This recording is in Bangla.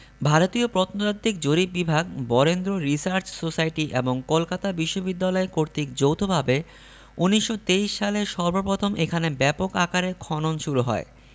ভারতীয় প্রত্নতাত্ত্বিক জরিপ বিভাগ বরেন্দ্র রিসার্চ সোসাইটি এবং কলকাতা বিশ্ববিদ্যালয় কর্তৃক যৌথভাবে ১৯২৩ সালে সর্বপ্রথম এখানে ব্যাপক আকারে খনন শুরু হয়